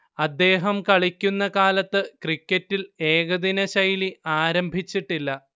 അദ്ദേഹം കളിക്കുന്ന കാലത്ത് ക്രിക്കറ്റിൽ ഏകദിനശൈലി ആരംഭിച്ചിട്ടില്ല